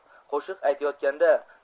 qo'shiq aytayotganda